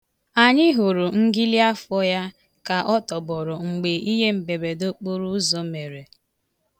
Anyị hụrụ ngịlịafọ ya ka ọ tọgbọrọ mgbe ihe mberede okporo ụzọ mere.